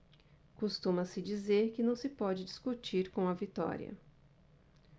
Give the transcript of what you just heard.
costuma-se dizer que não se pode discutir com a vitória